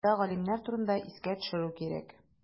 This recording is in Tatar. Монда галимнәр турында искә төшерү кирәк.